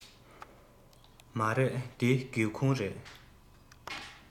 མ རེད འདི སྒེའུ ཁུང རེད